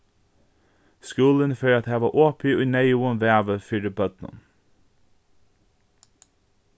skúlin fer at hava opið í neyðugum vavi fyri børnum